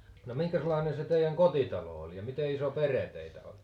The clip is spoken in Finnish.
no minkäslainen se teidän kotitalo oli ja miten iso perhe teitä oli